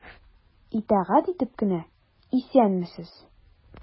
Итагать итеп кенә:— Исәнмесез!